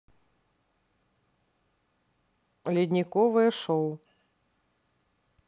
ледниковое шоу